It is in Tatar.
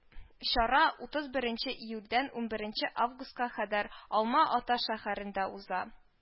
Чара утыз беренче июльдән унберенче августка хадәр алма-ата шәһәрендә уза